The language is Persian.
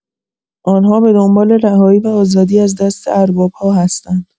آنها به دنبال رهایی و آزادی از دست ارباب‌ها هستند.